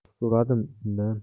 so'radim undan